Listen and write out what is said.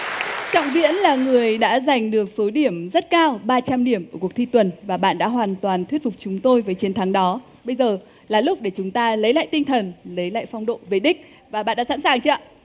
trọng viễn là người đã giành được số điểm rất cao ba trăm điểm ở cuộc thi tuần và bạn đã hoàn toàn thuyết phục chúng tôi với chiến thắng đó bây giờ là lúc để chúng ta lấy lại tinh thần lấy lại phong độ về đích và bạn đã sẵn sàng chưa ạ